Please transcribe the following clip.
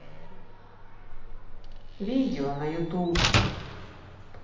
видео на ютуб